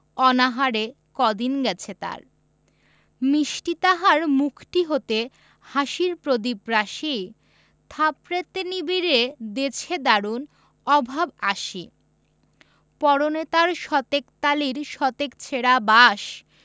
অনাহারে কদিন গেছে তার মিষ্টি তাহার মুখটি হতে হাসির প্রদীপ রাশি থাপড়েতে নিবিয়ে দেছে দারুণ অভাব আসি পরনে তার শতেক তালির শতেক ছেঁড়া বাস